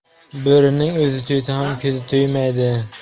bo'rining o'zi to'ysa ham ko'zi to'ymas